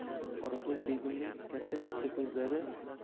qorako'z begimning katta katta ko'zlari